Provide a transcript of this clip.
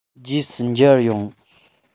རྗེས སུ མཇལ ཡོང